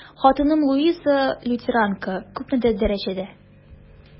Хатыным Луиза, лютеранка, күпмедер дәрәҗәдә...